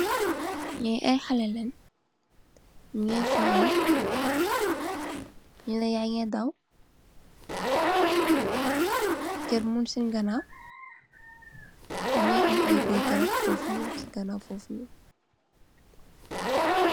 Nye aye haleh len nuge foyeh nyele yage daw kerr mug sun ganaw muge am aye goy garab fofonon se ganaw fofonon.